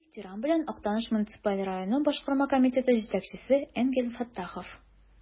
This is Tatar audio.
Ихтирам белән, Актаныш муниципаль районы Башкарма комитеты җитәкчесе Энгель Фәттахов.